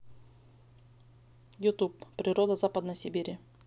ютуб природа западной сибири